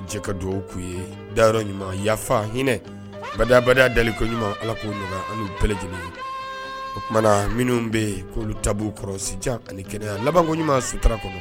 Jɛka don tun ye da yɔrɔ ɲuman yafafa hinɛ baba dalenko ɲuman ala k'o an' bɛɛlɛ lajɛlen o tumana minnu bɛ k'olu ta kɔrɔsija ani kɛra labanko ɲuman suta kɔnɔ